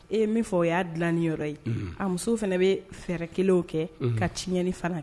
Ee min fɔ o y'a dilai yɔrɔ ye a muso fana bɛ fɛɛrɛ kelen kɛ ka tiɲɛn fana